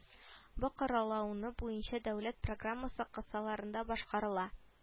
Бу кораллану буенча дәүләт программасы кысаларында башкарыла